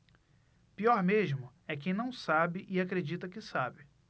pior mesmo é quem não sabe e acredita que sabe